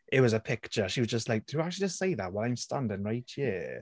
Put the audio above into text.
It was a picture she was just like "did you actually just say that while I'm standing right here?"